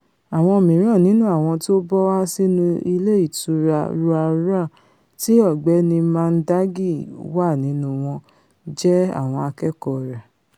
Àwọn mìíràn nínú àwọn tó bọ́há sínú Ilé Ìtura Roa Roa, tí Ọ̀gbẹ́ni Mandagi wà nínú wọn, jé àwọn akẹ́kọ̀ọ́ rẹ̀.